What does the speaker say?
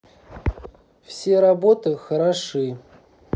все работы хороши